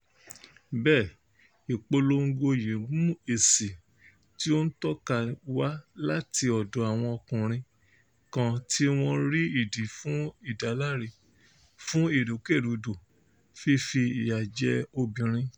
Bẹ́ẹ̀, ìpolongo yìí mú èsì tí ó ń takoni wá láti ọ̀dọ̀ àwọn ọkùnrin kan tí wọ́n rí ìdí fún ìdáláre fún ìrúkèrúdò fífi ìyà jẹ obìnrin.